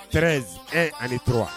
13 . 1 ani 3